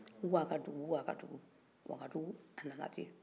uwa ka dugu uwa ka dugu